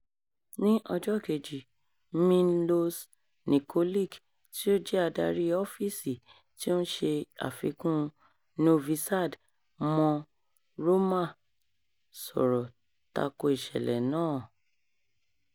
Ní ọjọ́ kejì, Miloš Nikolić tí ó jẹ́ adarí ọ́fíìsì tí ó ń ṣe àfikún Novi Sad mọ́ Roma sọ̀rọ̀ tako ìṣẹ̀lẹ̀ náà.